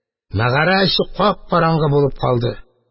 Мәгарә эче кап-караңгы булып калды.